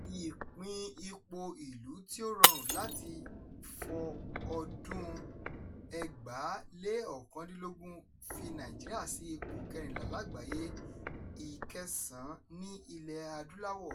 Ìpín ipò Ìlú tí ó rọrùn láti fọ́ ọdún-un 2019 fi Nàìjíríà sí ipò kẹrìnlá lágbàáyé, ìkẹsàn-án ní Ilẹ̀-Adúláwọ̀.